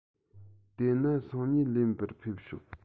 དེ ན སང ཉིན ལེན པར ཕེབས ཤོག